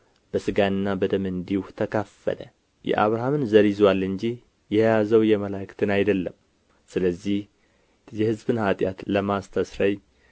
በሥጋና በደም እንዲሁ ተካፈለ የአብርሃምን ዘር ይዞአል እንጂ የያዘው የመላእክትን አይደለም ስለዚህ የሕዝብን ኃጢአት ለማስተስረይ